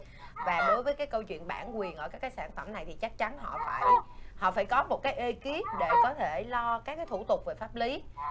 và đối với cái câu chuyện bản quyền ở các cái sản phẩm này thì chắc chắn họ phải họ phải có một cái ê kíp để có thể lo các cái thủ tục về pháp lý